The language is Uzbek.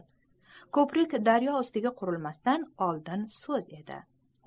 koprik daryo ustiga qurilmasdan oldin soz edi